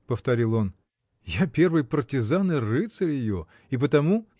— повторил он, — я первый партизан и рыцарь ее — и потому.